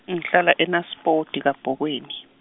ngihlala eNaspoti, Kabokweni.